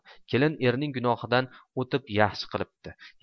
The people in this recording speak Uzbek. kelin erining gunohidan o'tib yaxshi qilibdi